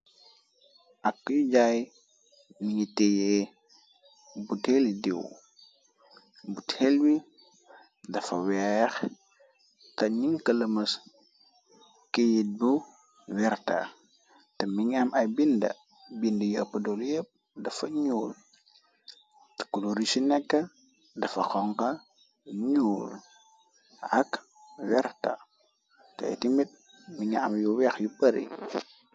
ak kuy jaay mi ngi tiyee buteli diiw butelwi dafa weex te nin kalëmës keyit bu werta te mi nga am ay bind bind yopp doluyepp dafa ñuul tekulori ci nekk dafa xonxa nuul ak werta te itimit mi nga am yu weex yu pari